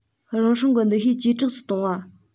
རང སྲུང གི འདུ ཤེས ཇེ དྲག ཏུ གཏོང བ